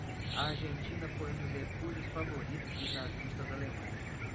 a argentina foi um dos refúgios favoritos dos nazistas alemães